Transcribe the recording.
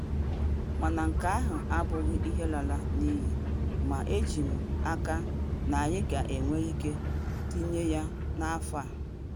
Mana nke ahụ abụghị ihe lara n'iyi ma eji m aka ná anyị ga-enwe ike tinye ya n'afọ a.